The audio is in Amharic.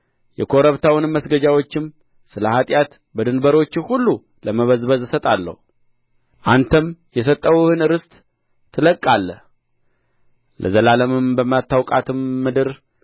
የኮረብታውን መስገጃዎችህም ስለ ኃጢአት በድንበሮችህ ሁሉ ለመበዝበዝ እሰጣለሁ አንተም የሰጠሁህን ርስት ትለቅቃለህ ለዘላለምም በማታውቃትም ምድር